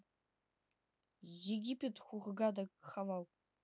египет хургада хавал